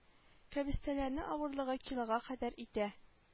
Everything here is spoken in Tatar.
Кәбестәләрнең авырлыгы килога кадәр итә